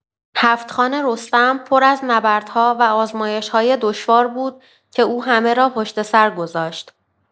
هفت‌خوان رستم پر از نبردها و آزمایش‌های دشوار بود که او همه را پشت‌سر گذاشت.